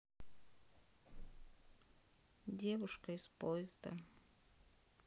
девушка из поезда